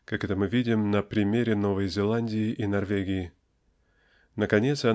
как это мы видим на примере Новой Зеландии и Норвегии. Наконец